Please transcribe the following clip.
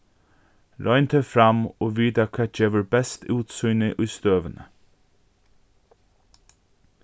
royn teg fram og vita hvat gevur best útsýni í støðuni